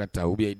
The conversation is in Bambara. Ka taa u ye